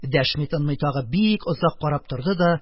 Дәшми-тынмый тагы бик озак карап торды да: